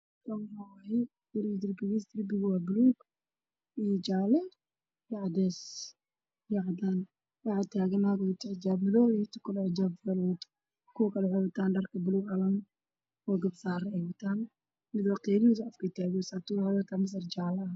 Kan waxaa weeyo guri iyo darbigiisa waxaa taagan Labo gabdho ah oo wata xijaabo jaalle ah